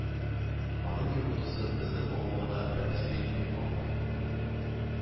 Аның йогынтысы безнең авылга да тәэсир итми калмый